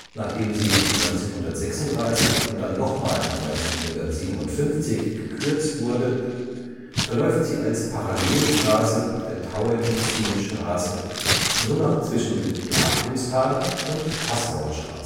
Nachdem sie 1936 und dann nochmal 1957 gekürzt wurde, verläuft sie als Parallelstraße der Tauentzienstraße nur noch zwischen Joachimsthaler und Passauer Straße